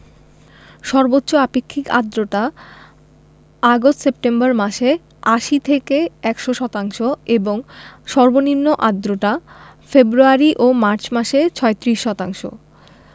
সর্বোচ্চ আপেক্ষিক আর্দ্রতা আগস্ট সেপ্টেম্বর মাসে ৮০ থেকে ১০০ শতাংশ এবং সর্বনিম্ন আর্দ্রতা ফেব্রুয়ারি ও মার্চ মাসে ৩৬ শতাংশ